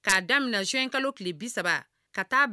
K'a daminɛ bi saba